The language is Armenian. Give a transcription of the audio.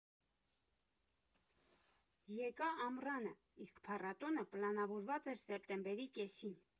Եկա ամռանը, իսկ փառատոնը պլանավորված էր սեպտեմբերի կեսին։